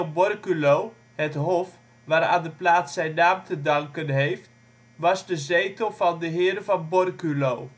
Borculo (het Hof), waaraan de plaats zijn naam te danken heeft, was de zetel van de Heren van Borculo